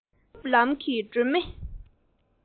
བྱང ཆུབ ལམ གྱི སྒྲོན མེ